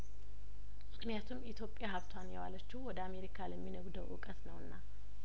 ምክንያቱም ኢትዮጵያ ሀብቷን ያዋለችው ወደ አሜሪካ ለሚ ነጉ ደው እውቀት ነውና